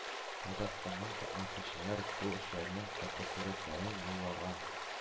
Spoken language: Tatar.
Казахстаннан катнашучылар кул эшләренең фотосурәтләрен юллаган.